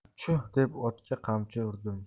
chuh deb otga qamchi urdim